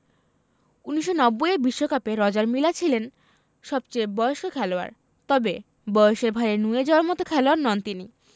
১৯৯০ এর বিশ্বকাপে Roger Milla ছিলেন সবচেয়ে বয়স্ক খেলোয়াড় তবে বয়সের ভাঁড়ে নুয়ে যাওয়ার মতো খেলোয়াড় নন তিনি